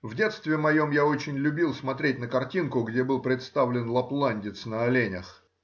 В детстве моем я очень любил смотреть на картинку, где был представлен лапландец на оленях.